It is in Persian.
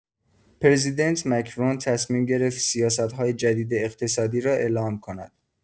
پرزیدنت مکرون تصمیم گرفت سیاست‌های جدید اقتصادی را اعلام کند.